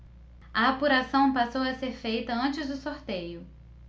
a apuração passou a ser feita antes do sorteio